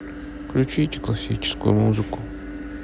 включите классическую музыку